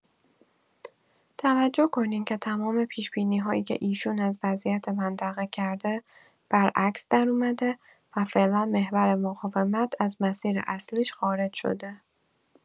توجه کنین که تمام پیش‌بینی‌‌هایی که ایشون از وضعیت منطقه کرده، برعکس دراومده و فعلا محور مقاومت از مسیر اصلیش خارج شده!